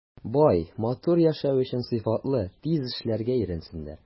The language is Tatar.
Бай, матур яшәү өчен сыйфатлы, тиз эшләргә өйрәнсеннәр.